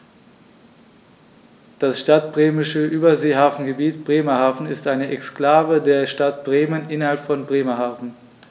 Das Stadtbremische Überseehafengebiet Bremerhaven ist eine Exklave der Stadt Bremen innerhalb von Bremerhaven.